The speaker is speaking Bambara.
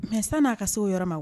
Mɛ san n'a ka se o yɔrɔ ma